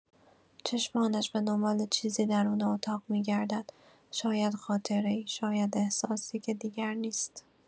چشمانش به دنبال چیزی درون اتاق می‌گردد، شاید خاطره‌ای، شاید احساسی که دیگر نیست.